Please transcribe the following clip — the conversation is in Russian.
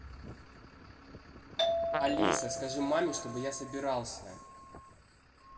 алиса скажи маме чтобы я собирался